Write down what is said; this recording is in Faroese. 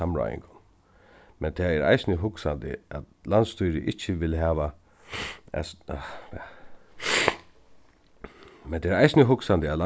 samráðingum men tað er eisini hugsandi at landsstýrið ikki vil hava áh bíða men tað er eisini hugsandi at